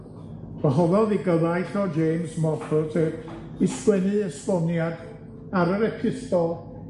hwn, gwahoddodd ei gyfaill o James Moffatt i sgwennu esboniad ar yr epistol,